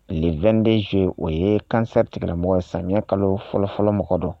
2den zo o ye kansɛtigɛla mɔgɔ samiyɛ kalo fɔlɔfɔlɔ mɔgɔ don